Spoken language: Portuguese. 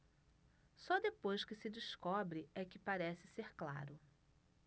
só depois que se descobre é que parece ser claro